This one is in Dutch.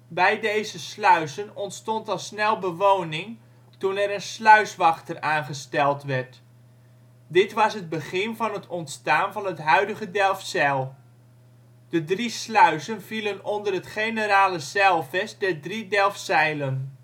Bij deze sluizen ontstond al snel bewoning toen er een sluiswachter aangesteld werd. Dit was het begin van het ontstaan van het huidige Delfzijl. De drie sluizen vielen onder het Generale Zijlvest der Drie Delfzijlen